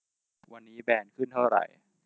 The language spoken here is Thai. วันนี้แบรนด์ขึ้นเท่าไหร่